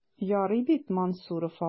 Ярый бит, Мансуров абый?